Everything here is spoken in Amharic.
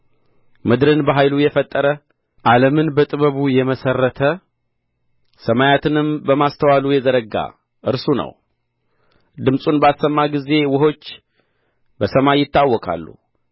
ምድርን በኃይሉ የፈጠረ ዓለሙን በጥበቡ የመሠረተ ሰማያትንም በማስተዋሉ የዘረጋ እርሱ ነው ድምጹን ባሰማ ጊዜ ውኆች በሰማይ ይታወካሉ